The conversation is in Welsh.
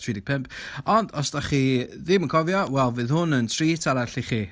tri deg pump Ond os dach chi ddim yn cofio wel, fydd hwn yn treat arall i chi.